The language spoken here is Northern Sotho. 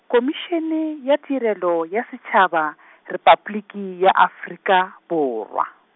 Khomišene, ya Tirelo, ya Setšhaba, Repabliki ya Afrika, Borwa.